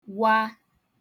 wa